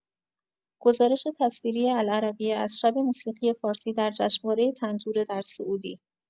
گزارش تصویری العربیه از شب موسیقی فارسی در جشنواره طنطوره در سعودی